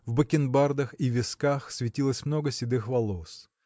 В бакенбардах и висках светилось много седых волос.